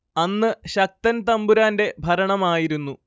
അന്ന് ശക്തൻ തമ്പുരാന്റെ ഭരണമായിരുന്നു